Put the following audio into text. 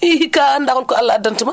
i hikka a anndaa holko Allah addanta maa